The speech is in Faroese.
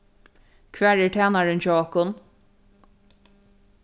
hvar er tænarin hjá okkum